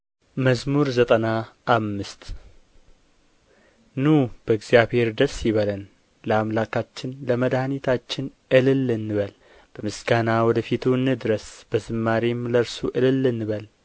መዝሙር ዘጠና አምስት ኑ በእግዚአብሔር ደስ ይበለን ለአምላክ ለመድኃኒታችን እልል እንበል በምስጋና ወደ ፊቱ እንድረስ በዝማሬም ለእርሱ እልል እንበል